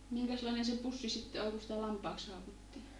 minkäslainen se pussi sitten oli kun sitä lampaaksi haukuttiin